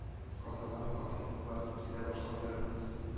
Казаннан хатын-кызлар килә башлады